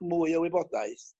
mwy o wybodaeth